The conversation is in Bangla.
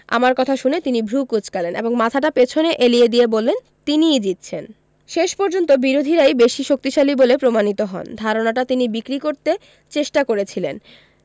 আমার কথা শুনে তিনি ভ্রু কুঁচকালেন এবং মাথাটা পেছন এলিয়ে দিয়ে বললেন তিনিই জিতছেন শেষ পর্যন্ত বিরোধীরাই বেশি শক্তিশালী বলে প্রমাণিত হন ধারণাটা তিনি বিক্রি করতে চেষ্টা করেছিলেন